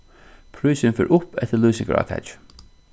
prísurin fer upp eftir lýsingarátakið